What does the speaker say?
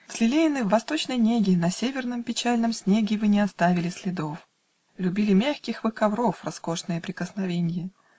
Взлелеяны в восточной неге, На северном, печальном снеге Вы не оставили следов: Любили мягких вы ковров Роскошное прикосновенье.